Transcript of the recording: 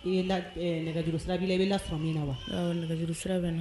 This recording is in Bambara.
Ijuru sira b i' la faamu min na wa nɛgɛjuru sira bɛ